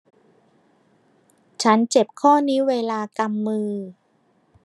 ฉันเจ็บข้อนิ้วเวลากำมือ